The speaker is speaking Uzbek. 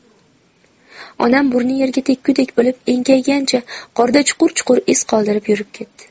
onam burni yerga tekkudek bo'lib enkaygancha qorda chuqur chuqur iz qoldirib yurib ketdi